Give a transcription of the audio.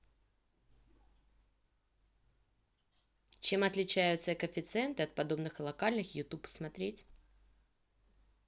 чем отличается коэффициент от подобных локальных youtube смотреть